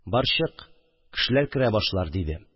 «бар, чык, кешеләр керә башлар», – диде